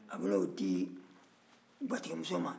a bɛ n'o di gwatigi muso ma